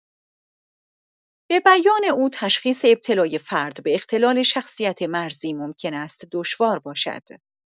به بیان او تشخیص ابتلای فرد به اختلال شخصیت مرزی ممکن است دشوار باشد.